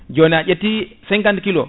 joni a ƴetti 50 KILOS